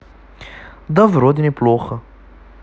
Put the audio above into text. да вроде неплохо